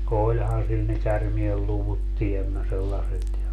olihan sillä ne käärmeenluvut tiemmä sellaiset ja